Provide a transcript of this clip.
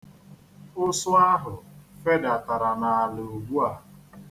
Ụsụ ahụ fedatara n'ala ugbua.